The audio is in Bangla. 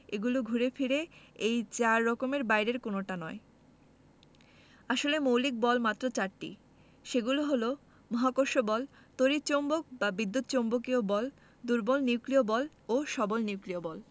এগুলো ঘুরেফিরে এই চার রকমের বাইরে কোনোটা নয় আসলে মৌলিক বল মাত্র চারটি সেগুলো হচ্ছে মহাকর্ষ বল তড়িৎ চৌম্বক বা বিদ্যুৎ চৌম্বকীয় বল দুর্বল নিউক্লিয় বল ও সবল নিউক্লিয় বল